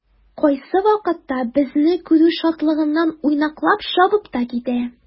Кайсы вакытта безне күрү шатлыгыннан уйнаклап чабып та китә.